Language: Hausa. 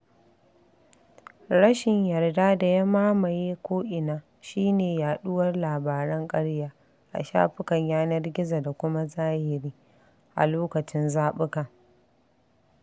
Rashin yarda da ya mamaye ko'ina shi ne yaɗuwar labaran ƙarya - a shafukan yanar gizo da kuma a zahiri - a lokacin zaɓukan.